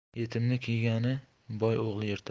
yetimning kiyganin boy o'g'li yirtar